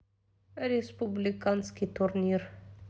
республиканский турнир